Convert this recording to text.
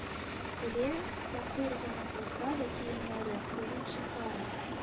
Ре, фәкыйрь генә булса да киемнәре, уенчыклары,